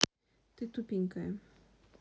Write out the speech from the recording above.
ты тупенькая